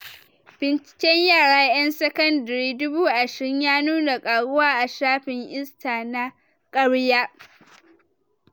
Binciken yara yan sakandare 20,000 ya nuna karuwa a shafin “Insta na karya”